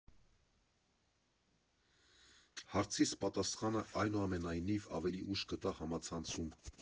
Հարցիս պատասխանը, այնուամենայնիվ, ավելի ուշ գտա համացանցում։